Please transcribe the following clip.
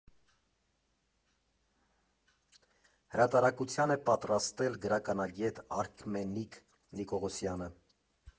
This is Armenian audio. Հրատարակության է պատրաստել գրականագետ Արքմենիկ Նիկողոսյանը։